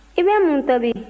i bɛ mun tobi